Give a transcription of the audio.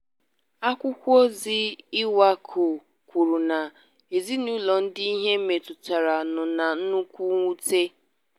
Akwụkwọozi Iwacu kọrọ na ezinaụlọ ndị ihe metụtara nọ na nnukwu mwute.